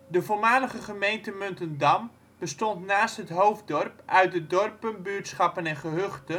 De voormalige gemeente Muntendam bestond naast het hoofddorp uit de dorpen, buurtschappen en gehuchten